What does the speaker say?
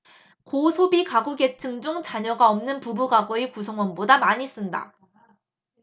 고소비가구계층 중 자녀가 없는 부부가구의 구성원보다 많이 쓴다